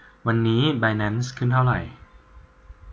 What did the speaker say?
วันนี้ไบแนนซ์ขึ้นเท่าไหร่